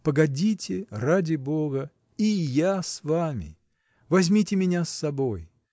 Погодите — ради Бога — и я с вами! Возьмите меня с собой!